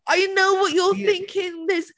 I know what you're thinking, there's...